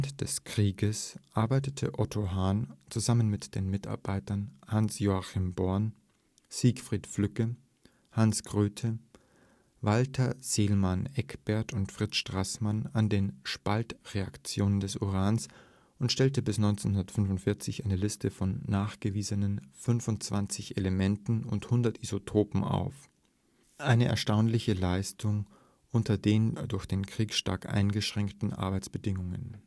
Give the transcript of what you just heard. des Krieges arbeitete Otto Hahn – zusammen mit den Mitarbeitern Hans Joachim Born, Siegfried Flügge, Hans Götte, Walter Seelmann-Eggebert und Fritz Straßmann – an den Spaltreaktionen des Urans und stellte bis 1945 eine Liste von nachgewiesenen 25 Elementen und 100 Isotopen auf – eine erstaunliche Leistung unter den durch den Krieg stark eingeschränkten Arbeitsbedingungen